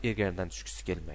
egardan tushgisi kelmaydi